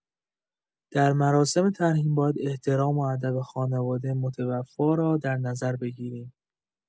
در مراسم ترحیم باید احترام و ادب خانواده متوفی را در نظر بگیریم.